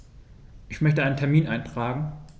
Ich möchte einen Termin eintragen.